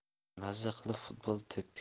biz maza qilib futbol tepdik